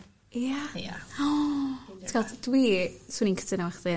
Ia? Ia. O. Ti'n g'od dwi swn i'n cytuno efo chdi...